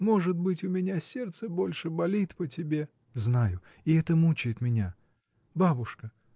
Может быть, у меня сердце больше болит по тебе. — Знаю, и это мучает меня. Бабушка!